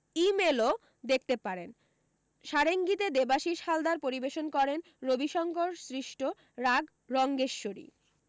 ই মেলও দেখতে পারেন সারেঙ্গিতে দেবাশিস হালদার পরিবেশন করেন রবিশংকর সৃষ্ট রাগ রঙ্গেশ্বরী